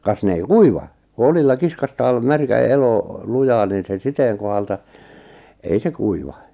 kas ne ei kuiva kun oljilla kiskaistaan märkä elo lujaan niin se siteen kohdalta ei se kuiva